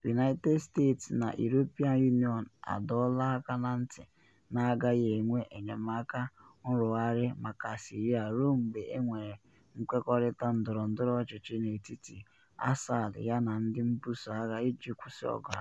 United States na European Union adọọla aka na ntị na agaghị enwe enyemaka nrụgharị maka Syria ruo mgbe enwere nkwekọrịta ndọrọndọrọ ọchịchị n’etiti Assad yana ndị mbuso agha iji kwụsị ọgụ ahụ.